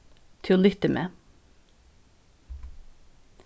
tú lyftir meg